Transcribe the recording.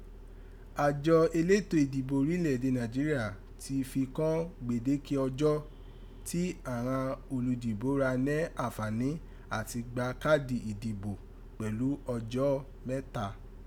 Ajọ eleto idibo orile ede Nàìjíríà ti fi kọ́n gbedeke ọjọ ti àghan oludibo ra nẹ́ áǹfààni ati gbà kaadì ìdìbò pẹ̀lú ọjọ mẹta.